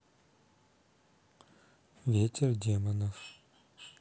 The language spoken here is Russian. ветер демонов